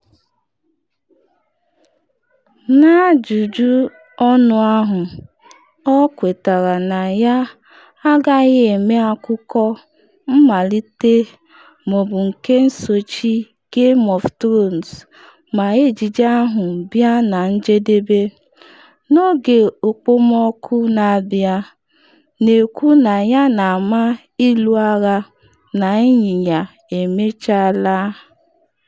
N’ajụjụ ọnụ ahụ ọ kwetara na ya agaghị eme akụkọ mmalite ma ọ bụ nke nsochi Game of Thrones ma ejije ahụ bịa na njedebe n’oge okpomọkụ na-abịa, na-ekwu na ya na ama ịlụ agha na ịnyịnya emechela’.